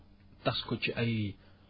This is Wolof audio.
tas ko ci ay